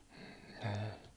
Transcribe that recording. ne